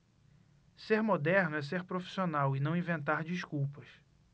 ser moderno é ser profissional e não inventar desculpas